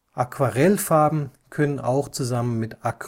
Aquarellfarben können auch zusammen mit Acrylfarben